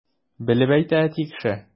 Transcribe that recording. Белеп әйтә әти кеше!